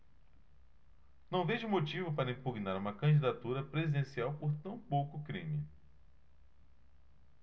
não vejo motivo para impugnar uma candidatura presidencial por tão pouco crime